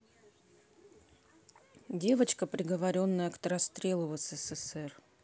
девочка приговоренная к расстрелу в ссср